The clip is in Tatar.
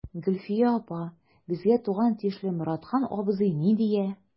Гөлфия апа, безгә туган тиешле Моратхан абзый ни дия.